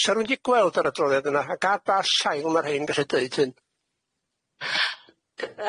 Sa rwun di gweld yr adroliad yna ag ar bas shail ma' rhein gallu deud hyn.